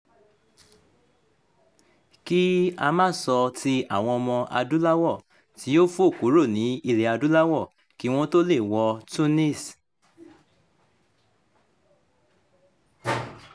Bí Rosemary ti sọ, ìrìnàjò nínúu ilẹ̀-adúláwọ̀ máa ń gba ṣíṣèrìnàjò kúrò ní ilẹ̀-adúláwọ̀ kí aṣèrìnàjò ó tó le è dé ibi tí ó ń lọ ní àárín Ilẹ̀-adúláwọ̀.